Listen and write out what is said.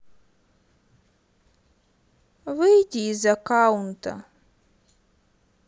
выйди из аккаунта